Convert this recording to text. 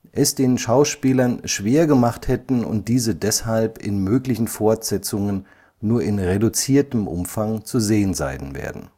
es den Schauspielern schwer gemacht hätten und diese deshalb in möglichen Fortsetzungen nur in reduziertem Umfang zu sehen sein werden